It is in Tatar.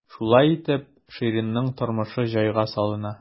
Шулай итеп, Ширинның тормышы җайга салына.